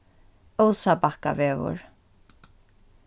ósabakkavegur